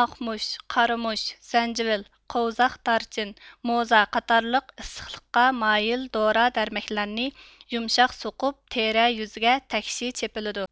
ئاقمۇچ قارىمۇچ زەنجىۋىل قوۋزاق دارچىن موزا قاتارلىق ئىسسىقلىققا مايىل دورا دەرمەكلەرنى يۇمشاق سوقۇپ تېرە يۈزىگە تەكشى چېپىلىدۇ